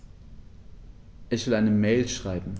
Ich will eine Mail schreiben.